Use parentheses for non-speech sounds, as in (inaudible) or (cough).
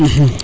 (hesitation) (hesitation)